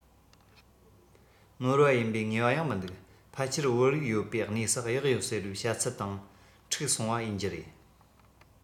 ནོར བ ཡིན པའི ངེས པ ཡང མི འདུག ཕལ ཆེར བོད རིགས ཡོད པའི གནས སུ གཡག ཡོད ཟེར བའི བཤད ཚུལ དང འཁྲུག སོང བ ཡིན རྒྱུ རེད